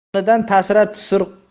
yonidan tasira tusur